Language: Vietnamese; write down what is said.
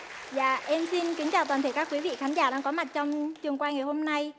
dạ em xin kính chào toàn thể các quý vị khán giả đang có mặt trong trường quay ngày hôm nay